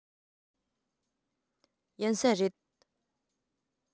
ཡིན ས རེད